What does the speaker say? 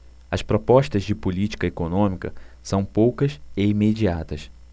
as propostas de política econômica são poucas e imediatas